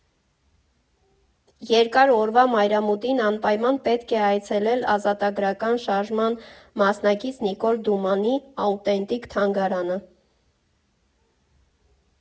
Երկար օրվա մայրամուտին անպայման պետք է այցելել ազատագրական շարժման մասնակից Նիկոլ Դումանի աուտենտիկ թանգարանը։